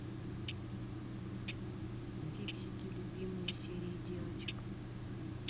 фиксики любимые серии девочек